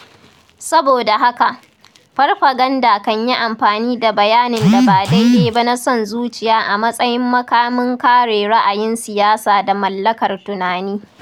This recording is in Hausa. Saboda haka, farfaganda kan yi amfani da bayanin da ba daidai ba na son zuciya a matsayin makamin kare ra'ayin siyasa da mallakar tunani.